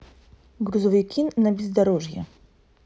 грузовики на бездорожье